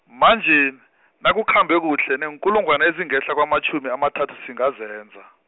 manje, nakukhambe kuhle, neenkulungwana ezingehla kwamatjhumi amathathu singazenza.